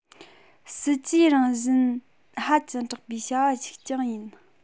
སྲིད ཇུས རང བཞིན ཧ ཅང དྲག པའི བྱ བ ཞིག ཀྱང ཡིན